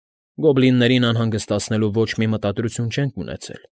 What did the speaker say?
Գոբլիններին անհանգստացնելու ոչ մի մտադրություն չենք ունեցել։֊